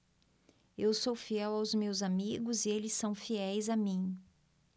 eu sou fiel aos meus amigos e eles são fiéis a mim